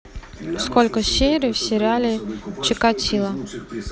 сколько серий в сериале чикатило